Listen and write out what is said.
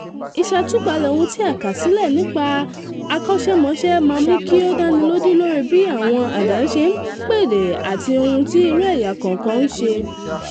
Ìṣàtúpalẹ̀ ohùn tí a ti ká sílẹ̀ nípaṣẹ̀ àkọṣẹ́mọṣẹ máa mú kí ó dánilójú lórí bí àwọn àdán ṣe ń pèdè àti ohun tí irú ẹ̀yà kọ̀ọ̀kan ń ṣe.